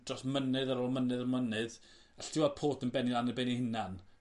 dros mynydd ar ôl mynydd a mynydd all't ti weld Port yn benni lan a' ben 'i hunan.